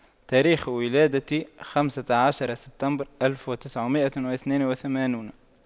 تاريخ ولادتي خمسة عشرة سبتمبر ألف وتسعمئة واثنان وثمانون